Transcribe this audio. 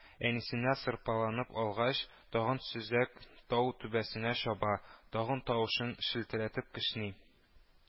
Әнисенә сырпаланып алгач, тагын сөзәк тау түбәсенә чаба, тагын тавышын челтерәтеп кешни